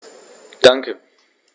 Danke.